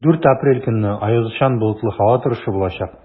4 апрель көнне аязучан болытлы һава торышы булачак.